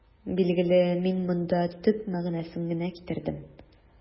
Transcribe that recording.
Билгеле, мин монда төп мәгънәсен генә китердем.